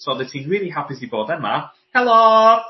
so odde ti'n rili hapus i bod yma helo